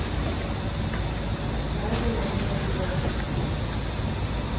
правила виноделов